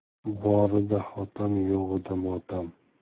borida hotam yo'g'ida motam